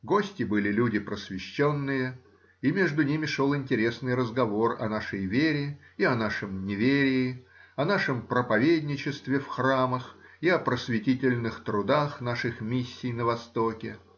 Гости были люди просвещенные, и между ними шел интересный разговор о нашей вере и о нашем неверии, о нашем проповедничестве в храмах и о просветительных трудах наших миссий на Востоке.